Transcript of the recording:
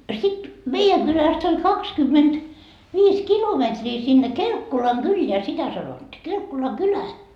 sitten meidän kylästä oli - kaksikymmentäviisi kilometriä sinne Kelkkolankylään sitä sanottiin Kelkkolankylään